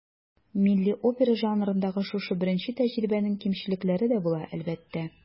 Милли опера жанрындагы шушы беренче тәҗрибәнең кимчелекләре дә була, әлбәттә.